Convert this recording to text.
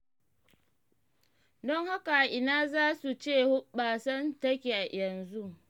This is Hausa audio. Don haka a ina za su ce hoɓɓasan take yanzu?